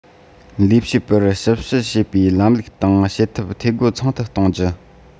ལས བྱེད པར དཔྱད ཞིབ བྱེད པའི ལམ ལུགས དང བྱ ཐབས འཐུས སྒོ ཚང དུ གཏོང རྒྱུ